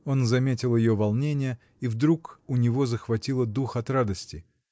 Он заметил ее волнение, и вдруг у него захватило дух от радости.